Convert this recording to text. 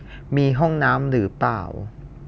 มีห้องน้ำหรือเปล่า